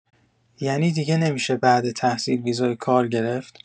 ینی دیگه نمی‌شه بعد تحصیل ویزای کار گرفت؟